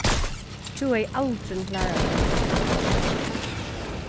tú hevði aldrin klárað tað